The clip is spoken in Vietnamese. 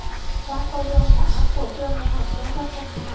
khoa cầu đường pháp của trường đại học giao thông vận tải